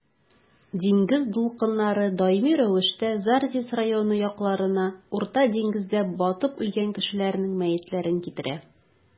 Диңгез дулкыннары даими рәвештә Зарзис районы ярларына Урта диңгездә батып үлгән кешеләрнең мәетләрен китерә.